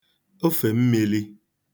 ofè mmīlī